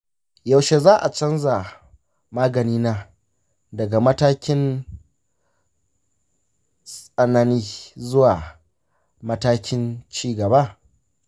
yaushe za a canza maganina daga matakin tsanani zuwa matakin ci gaba?